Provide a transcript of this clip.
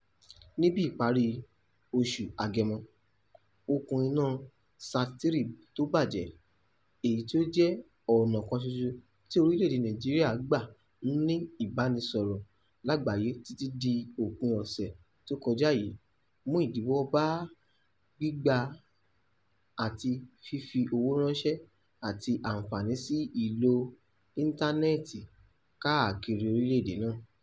Ní bí iparí July, okùn iná SAT-3 tó bàjẹ́ – èyí tí ó jẹ́ ọ̀nà kan ṣoṣo tí orilẹ̀ èdè Nàìjíríà gbà ń ní ìbánisọ̀rọ̀ lágbàáyé títí di òpin ọ̀sẹ̀ tó kọjá yìí – mú ìdíwọ́ bá gbígbà àti fífi owó rànṣẹ́ àtí ànfàání sí lílo íntánẹ́ẹ̀ti káàkiri orilẹ̀ èdè náà.